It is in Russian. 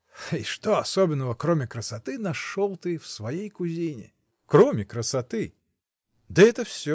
— И что особенного, кроме красоты, нашел ты в своей кузине? — Кроме красоты! Да это всё!